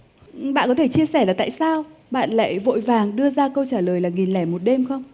bạn có thể chia sẻ là tại sao bạn lại vội vàng đưa ra câu trả lời là nghìn lẻ một đêm không